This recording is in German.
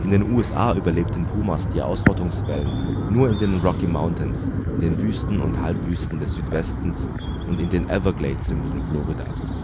den USA überlebten Pumas die Ausrottungswellen nur in den Rocky Mountains, in den Wüsten und Halbwüsten des Südwestens und in den Everglades-Sümpfen Floridas